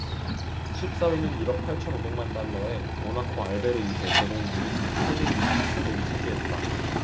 십 사 위는 일 억 팔천 오백 만 달러의 모나코 알베르 이 세 대공 부인 샬린 위트스톡이 차지했다